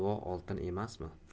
ol duo oltin emasmi